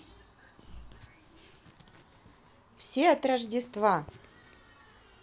все от рождества